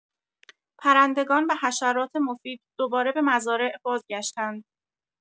پرندگان و حشرات مفید دوباره به مزارع بازگشتند.